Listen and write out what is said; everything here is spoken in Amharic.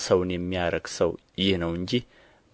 ሰውን የሚያረክሰው ይህ ነው እንጂ